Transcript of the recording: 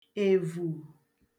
èvù